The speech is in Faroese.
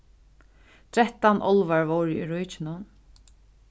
trettan álvar vóru í ríkinum